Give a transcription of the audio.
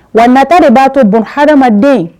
Wa nata de ba to bun hadamaden